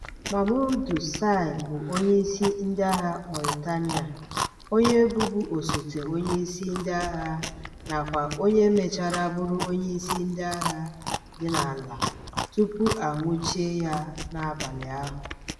Mamadou Sy bụ onyeisi ndị agha Mauritania, onye bụbu osote onyeisi ndị agha, nakwa onye mechara bụrụ onyeisi ndị agha dị n'ala tupu a nwụchie ya n'abalị ahụ.